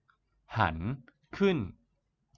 หันขึ้น